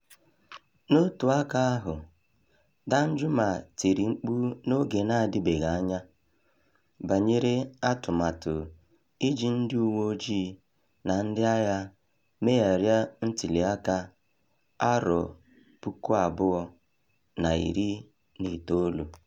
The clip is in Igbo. N'otu aka ahụ, Danjuma tiri mkpu n'oge na-adịbeghị anya banyere atụmatụ iji "ndị uwe ojii na ndị agha" megharịa ntụliaka 2019.